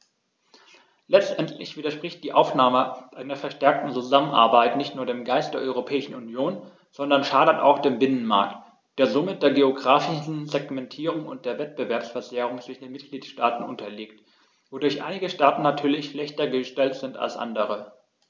Letztendlich widerspricht die Aufnahme einer verstärkten Zusammenarbeit nicht nur dem Geist der Europäischen Union, sondern schadet auch dem Binnenmarkt, der somit der geographischen Segmentierung und der Wettbewerbsverzerrung zwischen den Mitgliedstaaten unterliegt, wodurch einige Staaten natürlich schlechter gestellt sind als andere.